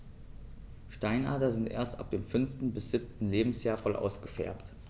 Steinadler sind erst ab dem 5. bis 7. Lebensjahr voll ausgefärbt.